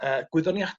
yy